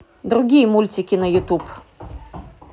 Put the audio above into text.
другие мультики на ютуб